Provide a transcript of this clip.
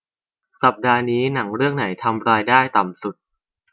สัปดาห์นี้หนังเรื่องไหนทำรายได้ต่ำสุด